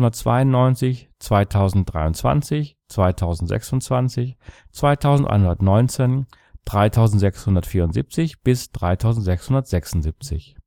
1792, 2023, 2026, 2119, 3674 bis 3676